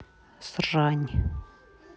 срань